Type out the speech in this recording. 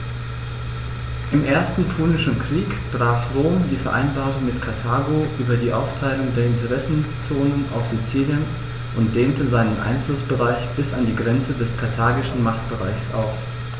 Im Ersten Punischen Krieg brach Rom die Vereinbarung mit Karthago über die Aufteilung der Interessenzonen auf Sizilien und dehnte seinen Einflussbereich bis an die Grenze des karthagischen Machtbereichs aus.